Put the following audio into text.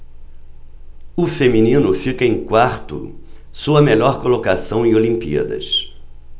o feminino fica em quarto sua melhor colocação em olimpíadas